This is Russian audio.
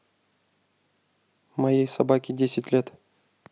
моей собаке десять лет